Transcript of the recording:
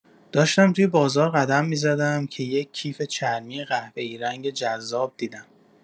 داشتم توی بازار قدم می‌زدم که یک کیف چرمی قهوه‌ای‌رنگ جذاب دیدم.